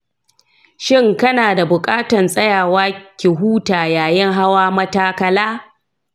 shin kana da bukatan tsayawa ki huta yayin hawa matakala?